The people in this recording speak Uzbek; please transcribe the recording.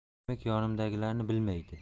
demak yonimdagilarni bilmaydi